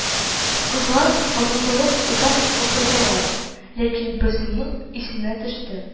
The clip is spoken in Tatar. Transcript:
Кызлар онытылып озак утырдылар, ләкин берсенең исенә төште: